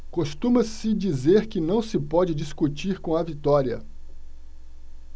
costuma-se dizer que não se pode discutir com a vitória